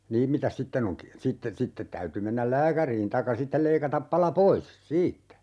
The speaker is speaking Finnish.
niin mitäs sitten on - sitten sitten täytyi mennä lääkäriin tai sitten leikata pala pois siitä